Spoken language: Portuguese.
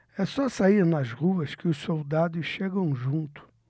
é só sair nas ruas que os soldados chegam junto